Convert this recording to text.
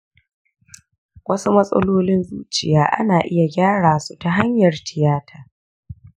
wasu matsalolin zuciya ana iya gyara su ta hanyar tiyata.